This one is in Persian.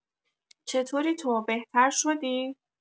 چطوری تو بهتر شدی